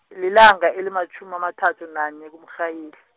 lilanga elimatjhumi amathathu nanye, kuMrhayili.